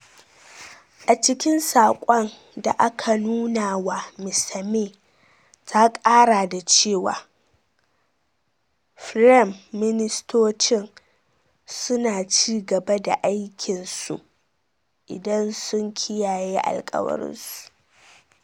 A cikin sakon da aka nuna wa Mrs May, ta kara da cewa: 'Firaim Ministocin su na ci gaba da aikin su idan sun kiyaye alkawuransu.'